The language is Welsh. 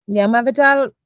Ie, mae fe dal...